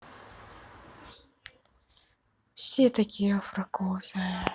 все такие афрокосы